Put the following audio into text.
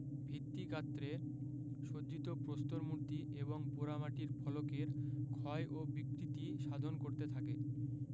ভিত্তিগাত্রে সজ্জিত প্রস্তর মূর্তি এবং পোড়ামাটির ফলকের ক্ষয় ও বিকৃতি সাধন করতে থাকে